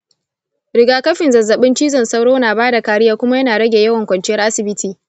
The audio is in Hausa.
riga-kafin zazzaɓin cizon sauro na bada kariya kuma yana rage yawan kwanciyar asibiti,